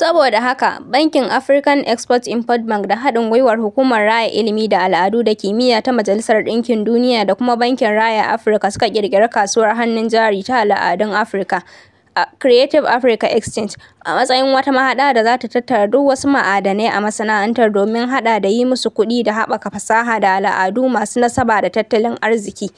Saboda haka, bankin African Export-Import Bank da haɗin gwiwar Hukumar Raya Ilimi da Al'adu da Kimiyya Ta Majalisar ɗinkin Duniya da kuma Bankin Raya Afirka suka ƙirƙiri kasuwar hannun jari ta al'adun Afirka 'Creative Africa Exchange' a matsayin wata mahaɗa da za ta tattara duk wasu ma'adanai a masana'antar domin haɗa da yi musu kuɗi da haɓaka fasaha da al'adu masu nasaba da tattalin arziki,